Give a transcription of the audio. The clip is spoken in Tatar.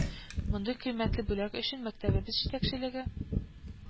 Мондый кыйммәтле бүләк өчен мәктәбебез җитәкчелеге